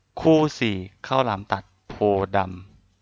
คู่สี่ข้าวหลามตัดโพธิ์ดำ